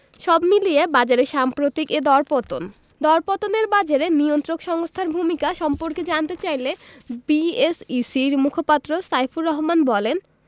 সব মিলিয়ে বাজারের সাম্প্রতিক এ দরপতন দরপতনের বাজারে নিয়ন্ত্রক সংস্থার ভূমিকা সম্পর্কে জানতে চাইলে বিএসইসির মুখপাত্র সাইফুর রহমান বলেন